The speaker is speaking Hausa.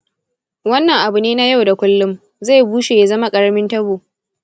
wannan abu ne na yau da kullum; zai bushe ya zama karamin tabo.